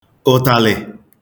ụ̀tàlị̀